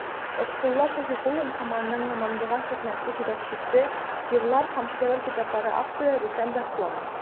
Лотфулла Шәфигуллин һәм аның матбугат хезмәте җитәкчесе, җырлар һәм шигырь китаплары авторы Рөстәм Зәкуанов.